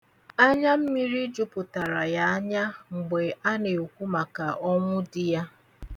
Anyammiri jupụtara ya anya mgbe ana-ekwu maka ọnwụ di ya.